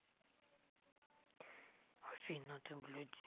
афина ты блядь